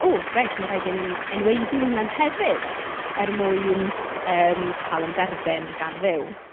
W reit mae'n rhaid i ni'n enwedu'n hunain hefyd er mwyn yym cael ein derbyn gan Dduw.